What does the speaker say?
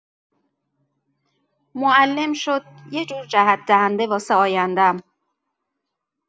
معلم شد یه جور جهت‌دهنده واسه آینده‌ام.